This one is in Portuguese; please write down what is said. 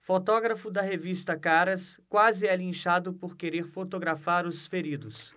fotógrafo da revista caras quase é linchado por querer fotografar os feridos